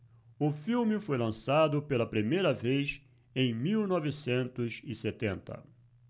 o filme foi lançado pela primeira vez em mil novecentos e setenta